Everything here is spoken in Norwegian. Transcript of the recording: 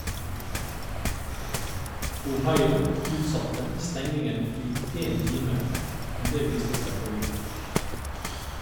Ohio utsatte stengningen i én time, men det viste seg for lite.